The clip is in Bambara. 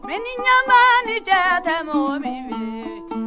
miniyanba ni cɛ tɛ mɔgɔ min fɛ